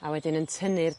a wedyn yn tynnu'r